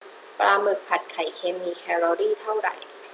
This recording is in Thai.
ปลาหมึกผัดไข่เค็มมีแคลอรี่เท่าไหร่